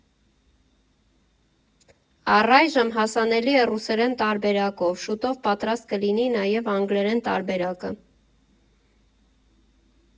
Առայժմ հասանելի է ռուսերեն տարբերակով, շուտով պատրաստ կլինի նաև անգլերեն տարբերակը։